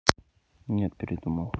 нет передумал